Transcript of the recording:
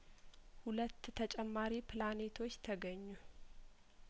ሁለት ተጨማሪ ፕላኔቶች ተገኙ